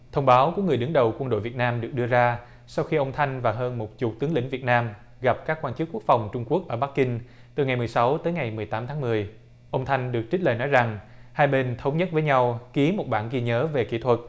thông báo của người đứng đầu quân đội việt nam được đưa ra sau khi ông thanh và hơn một chục tướng lĩnh việt nam gặp các quan chức quốc phòng trung quốc ở bắc kinh từ ngày mười sáu tới ngày mười tám tháng mười ông thanh được trích lời nói rằng hai bên thống nhất với nhau ký một bản ghi nhớ về kỹ thuật